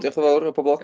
Diolch yn fawr a pob lwc.